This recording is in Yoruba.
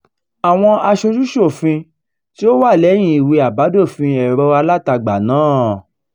Àwọn aṣojú-ṣòfin tí ó wà lẹ́yìn ìwé àbádòfin ẹ̀rọ alátagbà náà